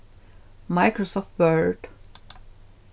microsoft word